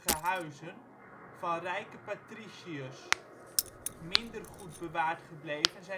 huizen van rijke patriciërs. Minder goed bewaard gebleven